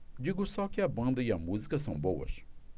digo só que a banda e a música são boas